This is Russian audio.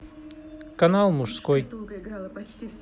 канал мужской